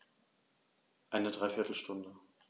Eine dreiviertel Stunde